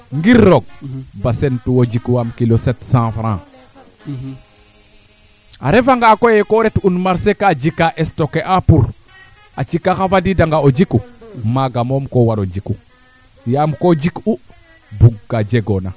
ndingilo Djiby me i ndefna le systeme meologique a ñaaƴa lool a joota lool waa xongo leye daal na kaand ten refatu o mandago maako xe ando naye ten wiin we nan gilwa no ndiig